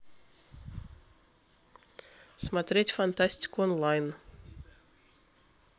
смотреть фантастику онлайн